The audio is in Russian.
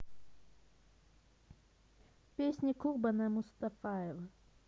песни курбана мустафаева